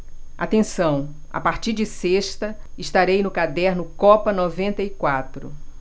atenção a partir de sexta estarei no caderno copa noventa e quatro